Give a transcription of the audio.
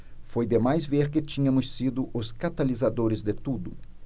foi demais ver que tínhamos sido os catalisadores de tudo